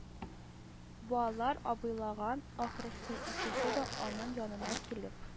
Балалар абайлаган, ахрысы, икесе дә аның янына килеп